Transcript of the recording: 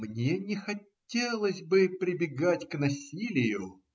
Мне не хотелось бы прибегать к насилию,